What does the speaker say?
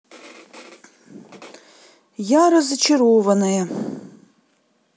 я разочарованная